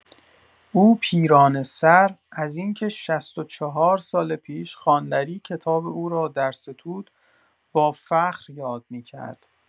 او پیرانه‌سر از اینکه ۶۴ سال پیش خانلری کتاب او را درستود، با فخر یاد می‌کرد.